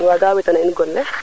waga weta na in gon le